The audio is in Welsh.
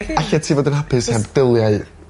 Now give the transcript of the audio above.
Allet ti fod yn hapus heb biliai?